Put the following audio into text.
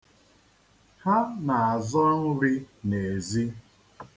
Ha na-azọ nri n'ezi.